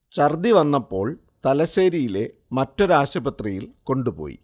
ഛര്‍ദ്ദി വന്നപ്പോള്‍ തലശേരിയിലെ മറ്റൊരു ആശുപത്രിയില്‍ കൊണ്ടുപോയി